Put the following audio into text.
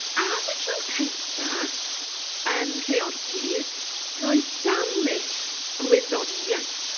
Am y tro cynta yn Nhreorci roedd darlith gwyddoniaeth.